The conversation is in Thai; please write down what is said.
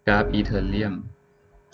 กราฟอีเธอเรียม